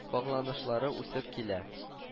Багланышлары үсеп килә